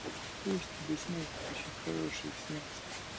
пусть тебе сны очень хорошие снятся